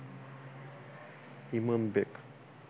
imanbek